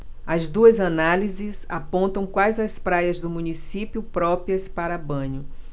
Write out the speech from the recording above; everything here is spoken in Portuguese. as duas análises apontam quais as praias do município próprias para banho